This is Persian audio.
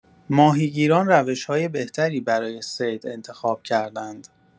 ماهیگیران روش‌های بهتری برای صید انتخاب کردند.